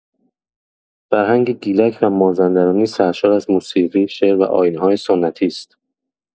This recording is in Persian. فرهنگ گیلک و مازندرانی سرشار از موسیقی، شعر و آیین‌های سنتی است.